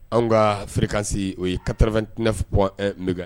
Anw ka fréquence o ye 89.1 MHZ